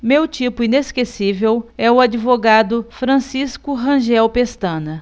meu tipo inesquecível é o advogado francisco rangel pestana